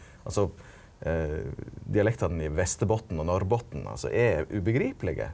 altso dialektane i Vasterbotten og Norrbotten altso er ubegripelege.